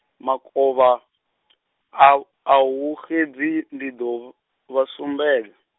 Makovha, a, ahu xedzi ndi ḓo vh-, vha sumbedza.